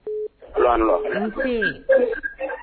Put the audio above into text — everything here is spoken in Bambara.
Allo ani wula, Nse